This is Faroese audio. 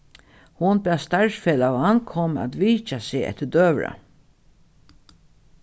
hon bað starvsfelagan koma at vitja seg eftir døgurða